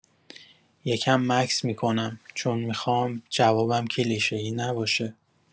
یه کم مکث می‌کنم، چون می‌خوام جوابم کلیشه‌ای نباشه.